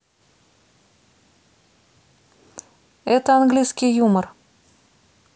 это английский юмор